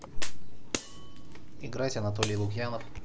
играть анатолий лукьянов